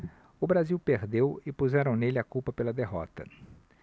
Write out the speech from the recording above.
o brasil perdeu e puseram nele a culpa pela derrota